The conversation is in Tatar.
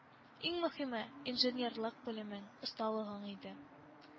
Иң мөһиме—инженерлык белемең, осталыгың иде